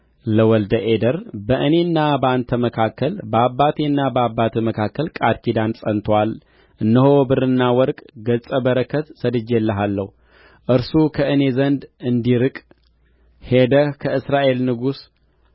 ለወልደ አዴር በእኔና በአንተ መካከል በአባቴና በአባትህም መካከል ቃል ኪዳን ጸንቶአል እነሆ ብርና ወርቅ ገጸ በረከት ሰድጄልሃለሁ እርሱ ከእኔ ዘንድ እንዲርቅ ሄደህ ከእስራኤል ንጉሥ